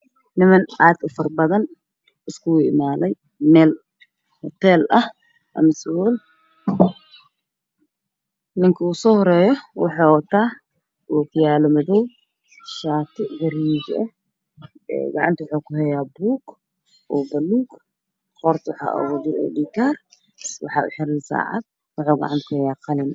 Niman aad u fara badan iskugu I maaday meel huteel ah ninka ugu soo horeeyo wuxuu wataa ookiyaalo madow ah shaati gaiig ah gacanta wuxuu ku hayaa buug oo buluug ah qoorta waxaa ugu jirto edhikaar waxa u xiran saacad wuxuu gacanta ku hayaa qalin